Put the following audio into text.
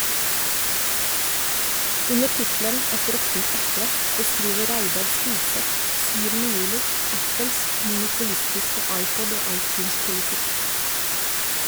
Under tittelen "Et råttent eple" beskriver Reidar Spigseth 7. juli Apples monopolistiske iPod- og iTunes-politikk.